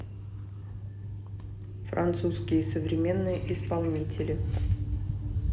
французские современные исполнители